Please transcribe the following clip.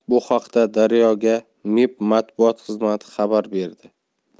bu haqda daryo ga mib matbuot xizmati xabar berdi